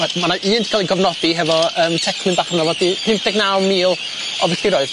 Ma' ma' na' un ca'l ei gofnodi hefo yym tecnyn bach yn ofodi pum deg naw mil o filltiroedd j